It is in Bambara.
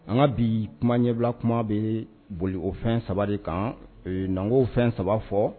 An ka bi kuma ɲɛbila kuma bɛ boli o fɛn saba de kan e na n k'o fɛn saba fɔ